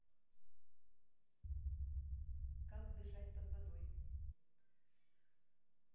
как дышать под водой